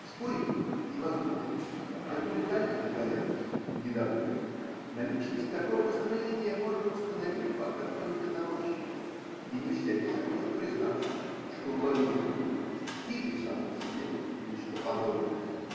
Спорить тут невозможно, документальных доказательств не добудешь – наличность такого настроения можно установить пока только на ощупь, и не всякий захочет признаться, что уловил в других или в самом себе нечто подобное.